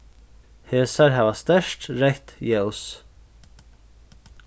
hesar hava sterkt reytt ljós